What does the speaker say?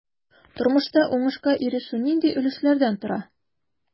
Тормышта уңышка ирешү нинди өлешләрдән тора?